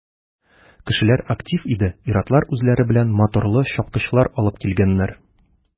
Кешеләр актив иде, ир-атлар үзләре белән моторлы чапкычлар алыпн килгәннәр.